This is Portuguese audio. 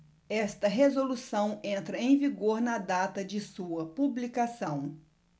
esta resolução entra em vigor na data de sua publicação